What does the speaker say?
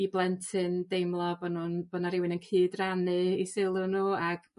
i blentyn deimlo bo' nhw'n bo' 'na rywun yn cyd rannu 'u sylw nhw ag